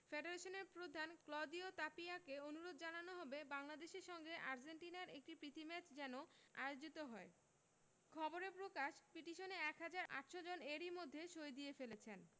ফেডারেশনের প্রধান ক্লদিও তাপিয়াকে অনুরোধ জানানো হবে বাংলাদেশের সঙ্গে আর্জেন্টিনার একটি প্রীতি ম্যাচ যেন আয়োজিত হয় খবরে প্রকাশ পিটিশনে ১ হাজার ৮০০ জন এরই মধ্যে সই দিয়ে ফেলেছেন